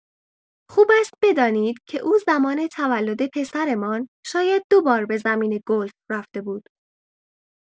خوب است که بدانید او از زمان تولد پسرمان شاید دو بار به زمین گلف رفته بود.